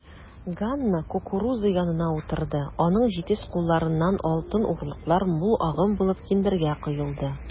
Ганна кукуруза янына утырды, аның җитез кулларыннан алтын орлыклар мул агым булып киндергә коелды.